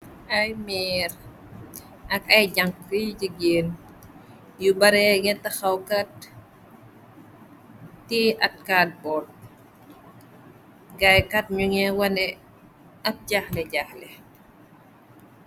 Ay merr ak ay jànk yu jëgéen yu baree nge taxawkat ti ay cardbord. Gaaykat ñu nga wane ab jaaxle jaaxle.